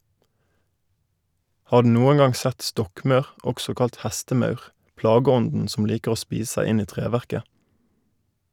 Har du noen gang sett stokkmaur, også kalt hestemaur, plageånden som liker å spise seg inn i treverket?